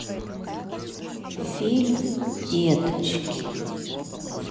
фильм деточки